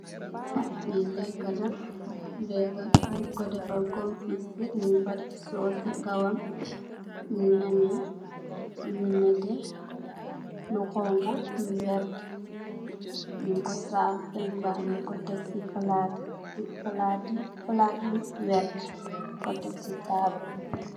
Li leeka la leeka nyun ko defar kom fiscate nyun fa def soos si kawam mongi ame lu nete lu xonxu lu wertax nyun ko saaf beem bakx nyun ko tek si palat palati palat bu weer nyun ko tek si taabul.